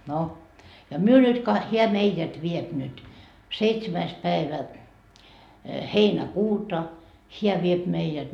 no ja me nyt - hän meidät vie nyt seitsemäs päivä heinäkuuta hän vie meidät